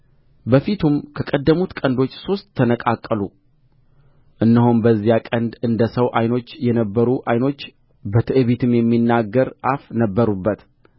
በፊቱም ከቀደሙት ቀንዶች ሦስት ተነቃቀሉ እነሆም በዚያ ቀንድ እንደ ሰው ዓይኖች የነበሩ ዓይኖች በትዕቢትም የሚናገር አፍ ነበሩበት